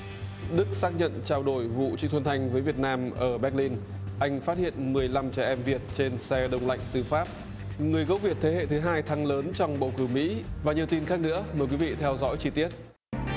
đức xác nhận trao đổi vụ trịnh xuân thanh với việt nam ở béc lin anh phát hiện mười lăm trẻ em việt trên xe đông lạnh từ pháp người gốc việt thế hệ thứ hai thắng lớn trong bầu cử mỹ và nhiều tin khác nữa mời quý vị theo dõi chi tiết